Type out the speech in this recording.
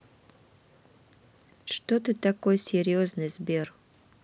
что ты такой серьезный сбер